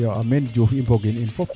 iyo amiin Diouf i mbogin in fop